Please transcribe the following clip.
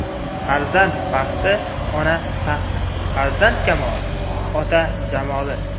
farzand baxti ona taxti farzand kamoli ota jamoli